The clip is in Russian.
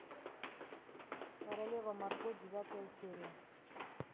королева марго девятая серия